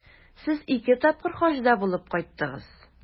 Сез ике тапкыр Хаҗда булып кайттыгыз.